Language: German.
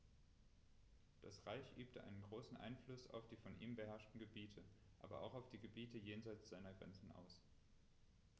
Das Reich übte einen großen Einfluss auf die von ihm beherrschten Gebiete, aber auch auf die Gebiete jenseits seiner Grenzen aus.